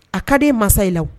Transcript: A ka den mansa i la